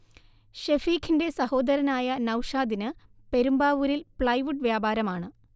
ഷെഫീഖിന്റെ സഹോദരനായ നൗഷാദിന് പെരുമ്ബാവൂരിൽ പ്ലൈവുഡ് വ്യാപാരമാണ്